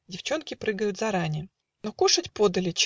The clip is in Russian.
Девчонки прыгают заране; Но кушать подали.